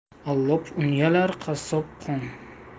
allop un yalar qassob qon